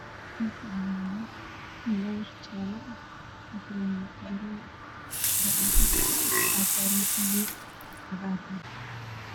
Halkaan waxaa yaalo dhar jaalo ah garan blue ah waxaa saaran surwaal cagaar ah